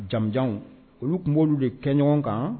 Janmujanw olu tun b'olu de kɛ ɲɔgɔn kan